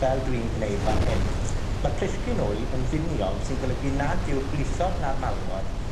fel dwi'n gwneud fan hyn. Ma' plisgyn wy yn finiog, sy'n golygu nad yw'r gwlithod na'r malwod